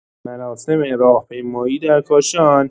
مراسم راهپیمایی در کاشان